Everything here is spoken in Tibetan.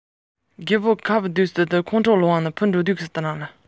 ངས མ རེད མ རེད